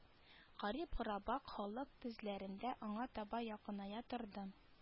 Гарип-гораба халык тезләрендә аңа таба якыная торды